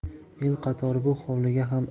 el qatori bu hovliga